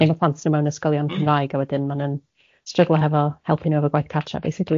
...neu' ma' plant nhw mewn ysgolion Cymraeg a wedyn ma' nhw'n stryglo hefo helpu nhw efo gwaith cartra basically.